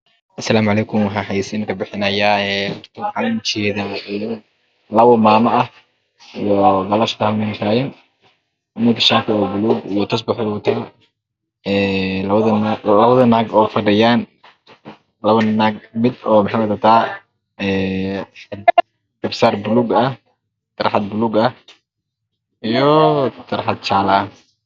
Asalaamu caleykum waxaan xayeysiin ka bixinayaa ee waxaa ujedaa labo maama ah iyo labo islamood oo meel taagan mid shaati oo baluug ah iyo tusbaxoo wadataa een labada nimood een labada nagood ee fadhiyaan labada naag mid. Oo waxey wadataa een garbisaar baluug ah tarxad baluug ah iyoo tarxad jaalo ah